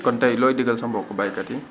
kon tey looy digal sa mbokku baykat yi